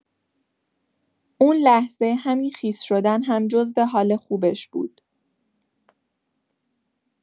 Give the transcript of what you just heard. اون لحظه، همین خیس شدن هم جزو حال خوبش بود.